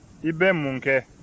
i bɛ mun kɛ